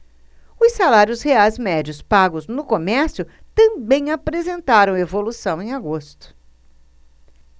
os salários reais médios pagos no comércio também apresentaram evolução em agosto